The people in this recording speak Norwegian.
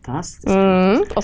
fantastisk fantastisk.